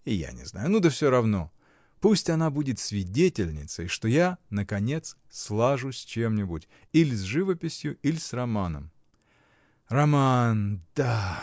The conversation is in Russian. и я не знаю, ну да всё равно, — пусть она будет свидетельницей, что я, наконец, слажу с чем-нибудь: или с живописью, или с романом. Роман — да!